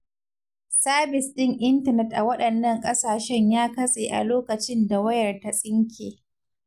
Sabis ɗin intanet a waɗannan ƙasashen ya katse a lokacin da wayar ta tsinke.